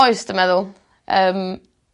Oes dwi meddwl yym